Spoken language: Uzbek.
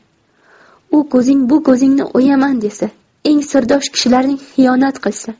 u ko'zing bu ko'zingni o'yaman desa eng sirdosh kishilaring xiyonat qilsa